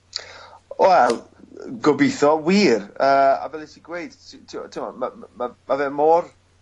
Wel yy gobitho wir yy a fel 'yt ti gweud ti t'wo' t'mo ma' ma' ma' fe mor